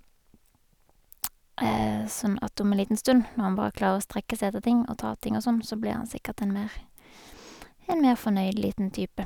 Sånn at om en liten stund, når han bare klarer å strekke seg etter ting og ta ting og sånn, så blir han sikkert en mer en mer fornøyd liten type.